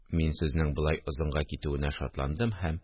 Мин сүзнең болай озынга китүенә шатландым һәм